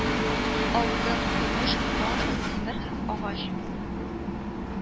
Алтын, көмеш, бронза, тимер һәм агач